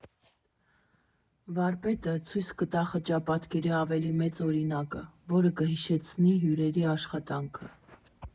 Վարպետը ցույց կտա խճապատկերի ավելի մեծ օրինակը, որը կհեշտացնի հյուրերի աշխատանքը։